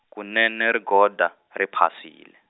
kunene rigoda, ri phasile.